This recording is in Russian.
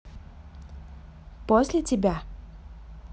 после тебя